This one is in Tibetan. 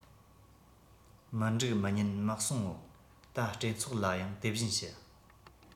མི འགྲིག མི ཉན མི གསུང ངོ ད སྤྲེལ ཚོགས ལ ཡང དེ བཞིན ཞུ